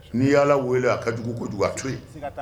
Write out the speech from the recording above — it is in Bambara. N'i y'Ala wele a ka jugu kojugu a to ye. Siga t'a la.